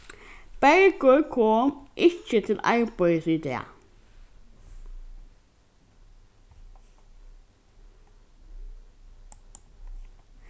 bergur kom ikki til arbeiðis í dag